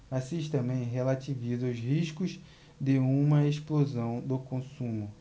assis também relativiza os riscos de uma explosão do consumo